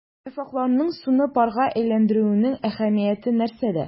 Яфракларның суны парга әйләндерүнең әһәмияте нәрсәдә?